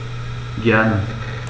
Gerne.